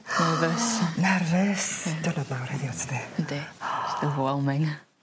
Nervous. Nerfys. Diwrnod mawr heddiw tydi? Yndi. Jyst overwhelming.